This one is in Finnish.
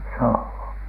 sohoon